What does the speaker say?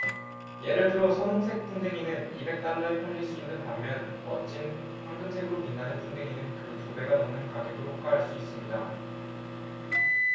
예를 들어 선홍색 풍뎅이는 이백 달러에 팔릴 수 있는 반면 멋진 황금색으로 빛나는 풍뎅이는 그 두 배가 넘는 가격을 호가할 수 있습니다